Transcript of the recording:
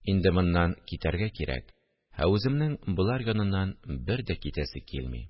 Инде моннан китәргә кирәк, ә үземнең болар яныннан бер дә китәсе килми